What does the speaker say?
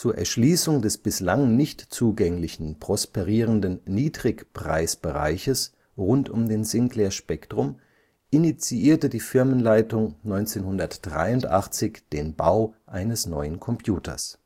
Erschließung des bislang nicht zugänglichen prosperierenden Niedrigpreisbereiches rund um den Sinclair Spectrum initiierte die Firmenleitung 1983 den Bau eines neuen Computers